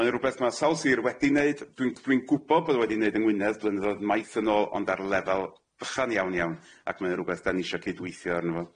Mae'n rwbeth ma' sawl sir wedi neud dwi'n dwi'n gwbo bod o wedi neud yng Ngwynedd flynyddoedd maith yn ôl ond ar lefel bychan iawn iawn ac mau o'n rwbeth 'dan ni isho cydweithio arno fo.